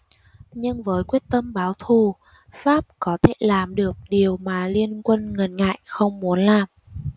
nhưng với quyết tâm báo thù pháp có thể làm được điều mà liên quân ngần ngại không muốn làm